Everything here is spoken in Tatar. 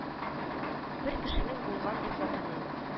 Бер кешенең булган, ди, хатыны